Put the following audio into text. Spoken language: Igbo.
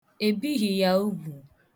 Ebighi ya ugwu.